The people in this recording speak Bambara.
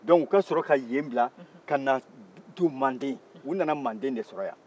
dɔnku u ka sɔrɔ ka yen bila ka na don mande u nana mande de sɔrɔ yan